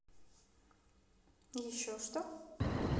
еще что